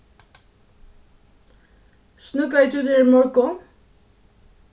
snøggaði tú tær í morgun